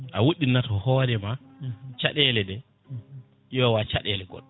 a woɗinat hoorema caɗele ɗe ƴowa caɗele goɗɗe